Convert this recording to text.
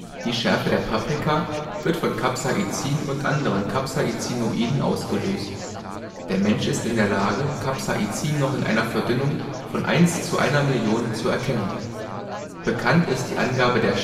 Die Schärfe der Paprika wird von Capsaicin und anderen Capsaicinoiden ausgelöst. Der Mensch ist in der Lage, Capsaicin noch in einer Verdünnung von 1 zu einer Million zu erkennen. Bekannt ist die Angabe der